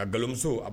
Ka nkalonmuso